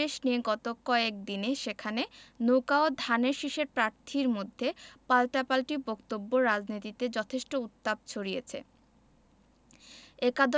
ভোটের পরিবেশ নিয়ে গত কয়েক দিনে সেখানে নৌকা ও ধানের শীষের প্রার্থীর মধ্যে পাল্টাপাল্টি বক্তব্য রাজনীতিতে যথেষ্ট উত্তাপ ছড়িয়েছে